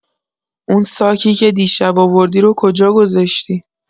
اون ساکی که دیشب آوردی رو کجا گذاشتی؟